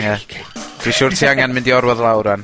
Ia. Dwi siwr ti angan mynd i orwedd lawr rŵan.